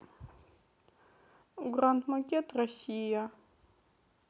гранд макет россия